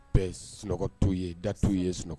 Bɛɛ sunɔgɔ'u ye datu'u ye sunɔgɔ